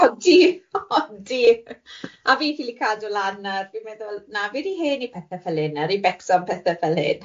Odi, odi a fi'n ffili cadw lan nawr, fi'n meddwl na fi di hen i pethe fel hyn nawr i becso am pethe fel hyn.